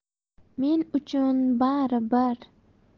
men uchun bari bir